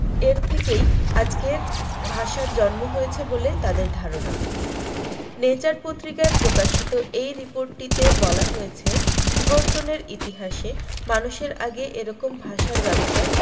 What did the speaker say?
এর থেকেই আজকের ভাষার জন্ম হয়েছে বলে তাঁদের ধারণা নেচার পত্রিকায় প্রকাশিত এই রিপোর্টটিতে বলা হয়েছে বিবর্তনের ইতিহাসে মানুষের আগে এরকম ভাষার ব্যবহার